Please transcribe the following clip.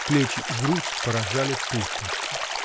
Плечи и грудь поражали пышностью.